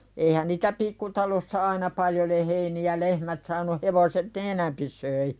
eihän niitä pikkutalossa aina paljon - heiniä lehmät saanut hevoset ne enempi söi